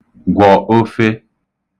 gwọ̀ ofe